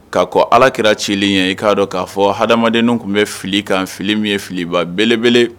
Ka kɔn ala kira ci li ɲɛ i ka dɔn ka fɔ hadamadennin kun bɛ fili kan fili min ye filiba belebele